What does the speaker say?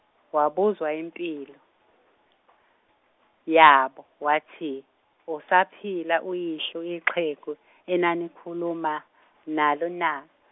wabuza impilo, yabo wathi usaphila uyihlo ixhegu enanikhuluma, nalo na.